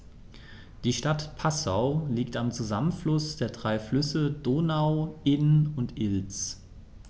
Die Stadt Passau liegt am Zusammenfluss der drei Flüsse Donau, Inn und Ilz.